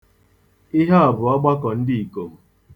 Ihe a bụ ọgbakọ ndịikom